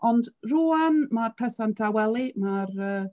Ond rŵan ma' pethau'n tawelu, ma'r yy...